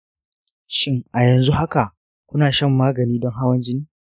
shin, a yanzu haka kuna shan wani magani don hawan jini?